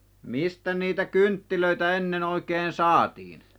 mistä niitä kynttilöitä ennen oikein saatiin